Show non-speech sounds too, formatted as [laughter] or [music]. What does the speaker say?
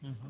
[hesitation] [hesitation]